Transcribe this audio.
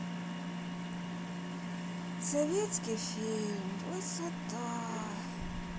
советский фильм высота